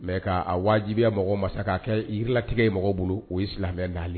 Mɛ k' a wajibiya mɔgɔ masa k kaa kɛ yirilatigɛ ye mɔgɔw bolo o ye silamɛ dalen